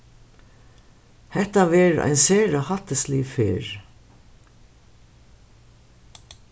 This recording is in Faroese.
hetta verður ein sera hættislig ferð